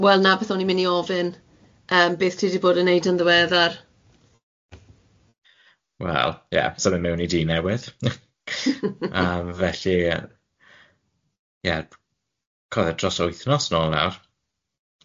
O- wel 'na beth o'n i'n mynd i ofyn yym beth ti di bod yn neud yn ddiweddar? Wel, ie, symud mewn i dŷ newydd. felly, ie, dros wythnos 'n ôl nawr.